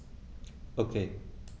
Okay.